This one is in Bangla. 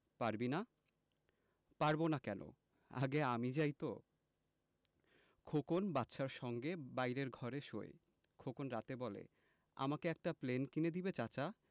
পারবি না পারব না কেন আগে আমি যাই তো খোকন বাদশার সঙ্গে বাইরের ঘরে শোয় খোকন রাতে বলে আমাকে একটা প্লেন কিনে দিবে চাচা